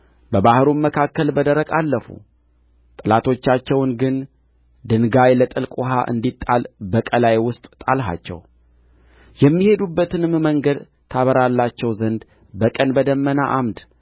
በባሕሩም መካከል በደረቅ አልፉ ጠላቶቻቸውን ግን ድንጋይ ለጥልቅ ውኃ እንዲጣል በቀላይ ውስጥ ጣልሃቸው የሚሄዱበትንም መንገድ ታበራላቸው ዘንድ በቀን በደመና ዓምድ